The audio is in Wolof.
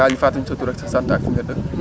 baal ñu fàttali ñu sa tur ak sa sant ak fi nga dëkk